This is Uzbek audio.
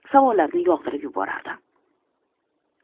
savollarni yog'dirib yuborardim